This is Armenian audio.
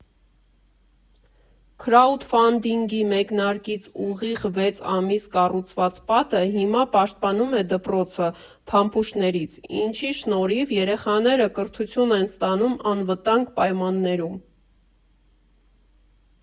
Քրաութֆանդինգի մեկնարկից ուղիղ վեց ամիս կառուցված պատը հիմա պաշտպանում է դպրոցը փամփուշտներից, ինչի շնորհիվ երեխաները կրթություն են ստանում անվտանգ պայմաններում։